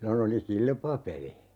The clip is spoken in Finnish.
silloin oli kilpapeli